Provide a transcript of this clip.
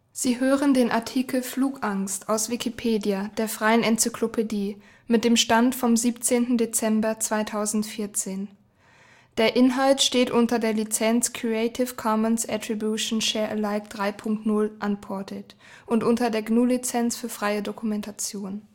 Sie hören den Artikel Flugangst, aus Wikipedia, der freien Enzyklopädie. Mit dem Stand vom Der Inhalt steht unter der Lizenz Creative Commons Attribution Share Alike 3 Punkt 0 Unported und unter der GNU Lizenz für freie Dokumentation